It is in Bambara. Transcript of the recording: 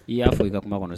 I y'a fɔ i ka kuma kɔnɔ